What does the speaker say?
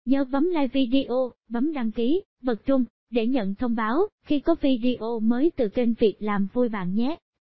nhớ bấm liek video bấm đăng ký để nhận thông báo về video mới nhất nhé